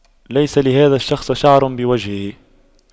ليس لهذا الشخص شعر بوجهه